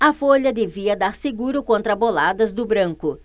a folha devia dar seguro contra boladas do branco